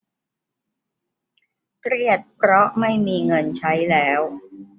เครียดเพราะไม่มีเงินใช้แล้ว